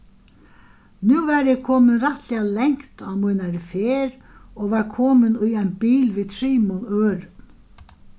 nú var eg komin rættiliga langt á mínari ferð og var komin í ein bil við trimum øðrum